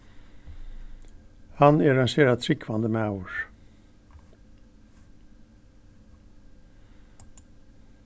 hann er ein sera trúgvandi maður